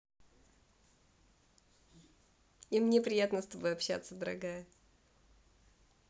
и мне приятно с тобой общаться дорогая